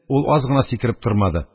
Ул аз гына сикереп тормады